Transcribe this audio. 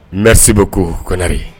Merci beaucoup Konare